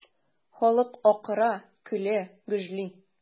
Халык акыра, көлә, гөжли.